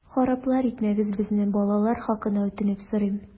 Хараплар итмәгез безне, балалар хакына үтенеп сорыйм!